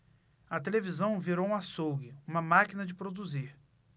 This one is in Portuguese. a televisão virou um açougue uma máquina de produzir